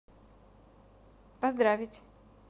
поздравить